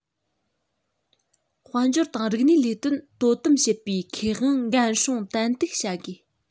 དཔལ འབྱོར དང རིག གནས ལས དོན དོ དམ བྱེད པའི ཁེ དབང འགན སྲུང ཏན ཏིག བྱ དགོས